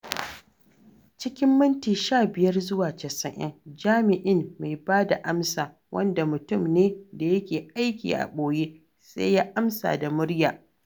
Cikin minti 15 zuwa 90, 'jami'in mai ba da amsa' (wanda mutum ne da yake aiki a ɓoye) sai ya amsa da murya.